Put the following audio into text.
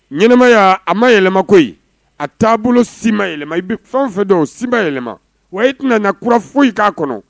Ɲmaya a ma yɛlɛma ko a taabolo siba yɛlɛma i bɛ fan fɛ dɔw sinba yɛlɛma wa i tɛna na kurauran foyi k'a kɔnɔ